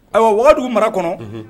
Ayiwa wagadu mara kɔnɔ